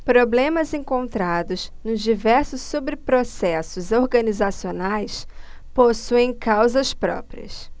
problemas encontrados nos diversos subprocessos organizacionais possuem causas próprias